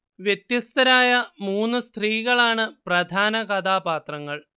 വ്യത്യസ്തരായ മൂന്ന് സ്ത്രീകളാണ് പ്രധാന കഥാപാത്രങ്ങൾ